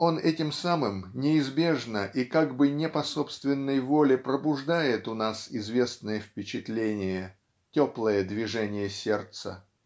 он этим самым неизбежно и как бы не по собственной воле пробуждает у нас известное впечатление теплое движение сердца.